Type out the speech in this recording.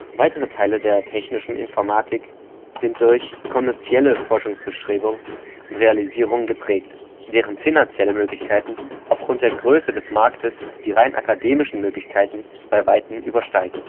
Weite Teile der technischen Informatik sind durch kommerzielle Forschungsbestrebungen und Realisierungen geprägt, deren finanzielle Möglichkeiten aufgrund der Größe des Marktes die rein akademischen Möglichkeiten bei weitem übersteigen